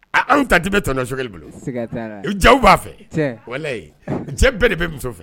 Anw ta tɛ bɛ to sokɛ bolo ja b'a fɛ walayi cɛ bɛɛ de bɛ muso fɛ